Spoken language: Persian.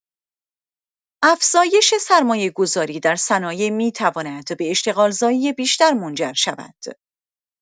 افزایش سرمایه‌گذاری در صنایع می‌تواند به اشتغالزایی بیشتر منجر شود.